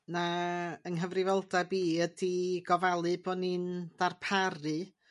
ma' yng nghyfrifoldab i ydi gofalu bo' ni'n darparu